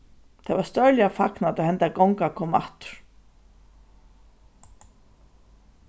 tað varð stórliga fagnað tá henda gonga kom aftur